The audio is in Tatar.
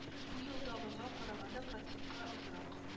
Бу елдагыга караганда процентка азрак